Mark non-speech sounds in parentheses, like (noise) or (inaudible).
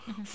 (hesitation) (hesitation)